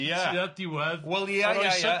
tua diwedd... Wel ia ia ia.